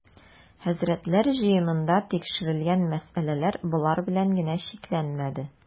Хәзрәтләр җыенында тикшерел-гән мәсьәләләр болар белән генә чикләнмәде.